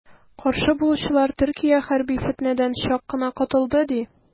Каршы булучылар, Төркия хәрби фетнәдән чак кына котылды, ди.